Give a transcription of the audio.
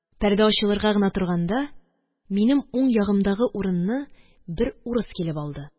Пәрдә ачылырга гына торганда, минем уң ягымдагы урынны бер урыс килеп алды